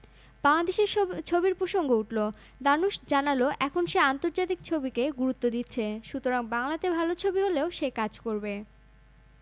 ধানুশ কানে এসেছে জানতাম তার ছবির প্রমোশনে the extraordinary journey of the fakir হলিউডের এই ছবিটি মুক্তি পাচ্ছে আগামী ৩০ মে কফি শেষ করেই মালিহাকে বললাম তুমি শ্যাননকে নিয়ে রেডি থেকো